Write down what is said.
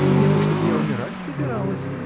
и не то чтоб я умирать собиралась